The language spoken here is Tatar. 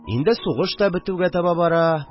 Инде сугыш та бетүгә таба бара